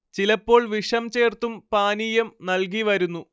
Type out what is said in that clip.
ചിലപ്പോൾ വിഷം ചേർത്തും പാനീയം നൽകി വരുന്നു